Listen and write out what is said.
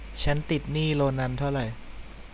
ฉันติดหนี้โรนันเท่าไร